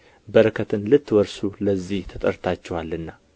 በረከትን ልትወርሱ ለዚህ ተጠርታችኋልና